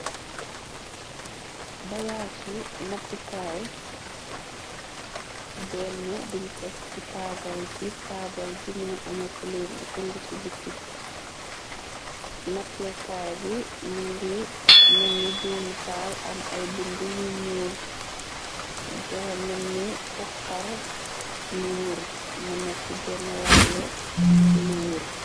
Bagaasu nattukaay benn buñ teg ci taabal ji taabal ji mu ngi ame kuloor bu sungu ci bukki nattekaay bi mu ngi menni doomu taal am ay bind yu ñuur dafa menni ko xar lu wur mu nekk genn wàll lu wur.